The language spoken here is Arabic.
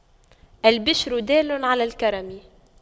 الْبِشْرَ دال على الكرم